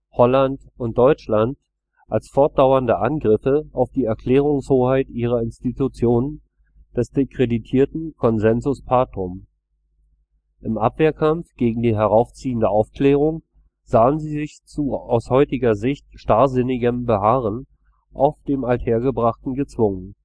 Holland und Deutschland als fortdauernde Angriffe auf die Erklärungshoheit ihrer Institutionen – des dekretierten Consensus patrum. Im Abwehrkampf gegen die heraufziehende Aufklärung sahen sie sich zu aus heutiger Sicht starrsinnigem Beharren auf dem Althergebrachten gezwungen